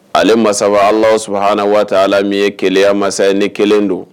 Ale masaba Alahu subahaanahu wataala min ye kelenya masa ye ni 1 don